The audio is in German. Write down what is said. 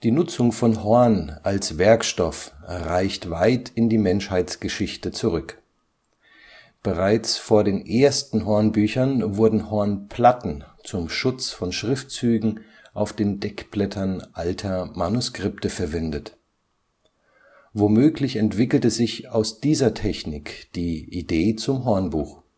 Nutzung von Horn als Werkstoff reicht weit in die Menschheitsgeschichte zurück. Bereits vor den ersten Hornbüchern wurden Hornplatten zum Schutz von Schriftzügen auf den Deckblättern alter Manuskripte verwendet. Womöglich entwickelte sich aus dieser Technik die Idee zum Hornbuch